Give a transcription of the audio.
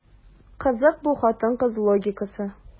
Кызык бу хатын-кыз логикасы.